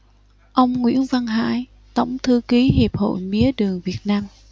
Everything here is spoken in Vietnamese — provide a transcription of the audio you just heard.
ông nguyễn văn hải tổng thư ký hiệp hội mía đường việt nam